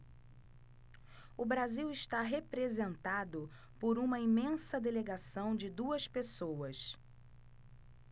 o brasil está representado por uma imensa delegação de duas pessoas